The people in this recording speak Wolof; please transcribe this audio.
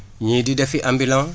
ñii di defi ambulant